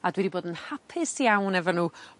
A dwi 'di bod yn hapus iawn efo n'w